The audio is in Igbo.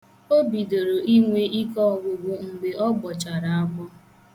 O bidoro inwe ikeọgwụgwụ mgbe ọ gbọchara agbọ.